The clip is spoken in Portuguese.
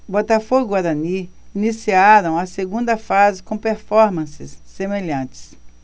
botafogo e guarani iniciaram a segunda fase com performances semelhantes